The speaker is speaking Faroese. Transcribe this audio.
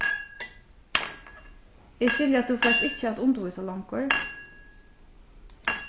eg skilji at tú fert ikki at undirvísa longur